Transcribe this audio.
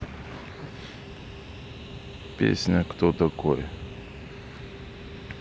песня кто такой